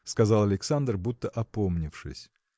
– сказал Александр, будто опомнившись.